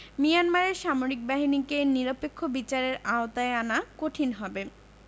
মিয়ানমারের সামরিক বাহিনীকে নিরপেক্ষ বিচারের আওতায় আনা কঠিন হবে